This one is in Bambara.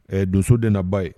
Ɛɛ donso de ba ye